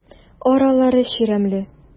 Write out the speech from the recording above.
Аралары чирәмле.